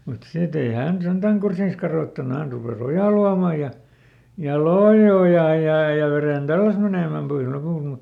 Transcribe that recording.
mutta sitten ei hän sentään kurssiaan kadottanut hän rupesi ojaa luomaan ja ja loi ojaa ja ja veden tälläsi menemään pois lopulta mutta